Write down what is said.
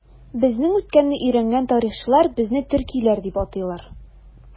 Безнең үткәнне өйрәнгән тарихчылар безне төркиләр дип атыйлар.